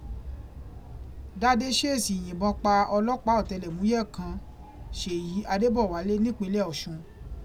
Dádé ṣèèsì yìnbọn pa ọlọ́pàá ọ̀tẹlẹ̀múyẹ́ kan Ṣèyí Adébọ̀wálé nípinlẹ̀ Ọ̀ṣun.